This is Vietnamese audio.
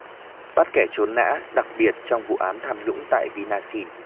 bắt kẻ trốn nã đặc biệt trong vụ án tham nhũng tại vinashin